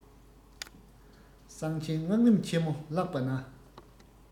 གསང ཆེན སྔགས རིམ ཆེན མོ བཀླགས པ ན